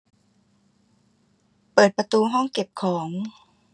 เปิดประตูห้องเก็บของ